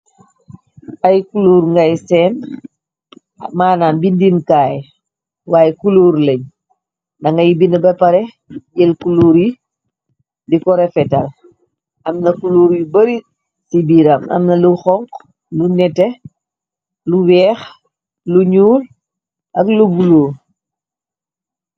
ay kuluur ngay seen maanam bindinkaay waaye kuluur lëñ dangay bin ba pare yël kuluur yi di korefetal amna kuluur yu bari ci biiram amna lu xong lu nete lu weex lu ñuul ak lubulo